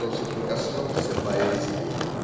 кто соприкоснулся поэзии.